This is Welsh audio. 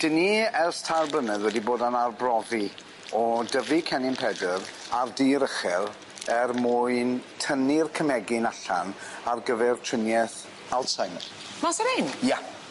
'Dyn ni ers tair blynedd wedi bod yn arbrofi o dyfu Cennin Pedyr ar dir ychel er mwyn tynnu'r cymegyn allan ar gyfer trinieth Alzheimer. Mas o rein? Ia.